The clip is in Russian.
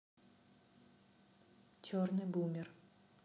черный бумер